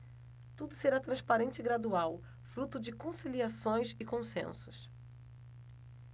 tudo será transparente e gradual fruto de conciliações e consensos